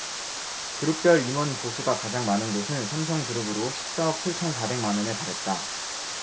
그룹별 임원 보수가 가장 많은 곳은 삼성그룹으로 십 사 억 칠 천 사백 만원에 달했다